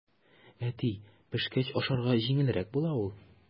Әти, пешкәч ашарга җиңелрәк була ул.